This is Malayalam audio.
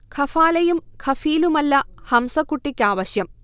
ഖഫാലയും ഖഫീലുമല്ല ഹംസകുട്ടിക്കാവശ്യം